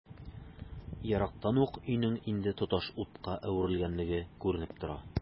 Ерактан ук өйнең инде тоташ утка әверелгәнлеге күренеп тора.